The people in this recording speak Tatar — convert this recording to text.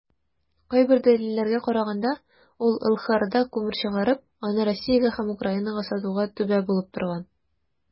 Кайбер дәлилләргә караганда, ул ЛХРда күмер чыгарып, аны Россиягә һәм Украинага сатуга "түбә" булып торган.